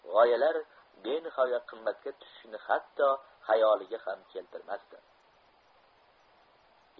g'oyalar benihoya qimmatga tushishini hatto hayoliga ham keltirmasdi